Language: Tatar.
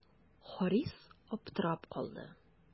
Харис аптырап калды.